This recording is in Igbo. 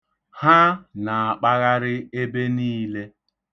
Ha na-akpagharị ebe niile.